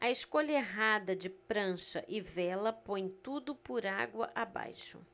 a escolha errada de prancha e vela põe tudo por água abaixo